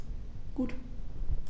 Gut.